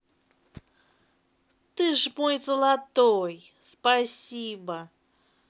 ты ж мой золотой спасибо